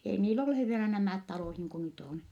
ei niillä ollut he vielä nämä talot niin kuin nyt on